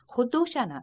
xuddi o'shani